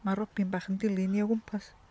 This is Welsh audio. Ma' robin bach yn dilyn ni o gwmpas.